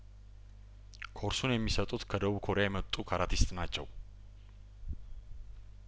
ኮርሱን የሚሰጡት ከደቡብ ኮሪያየመጡ ካራቲስት ናቸው